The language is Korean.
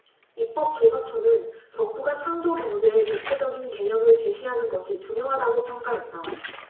입법조사처는 정부가 창조경제의 구체적인 개념을 제시하는 것이 중요하다고 평가했다